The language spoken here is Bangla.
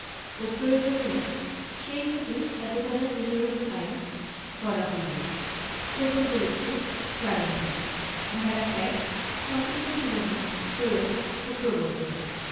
ও প্রয়োজনীয় সেইহেতু এতদ্বারা নিম্নরূপ আইন করা হইল প্রথম পরিচ্ছেদ প্রারম্ভিক ধারা ১ সংক্ষিপ্ত শিরোনাম প্রয়োগ ও প্রবর্তন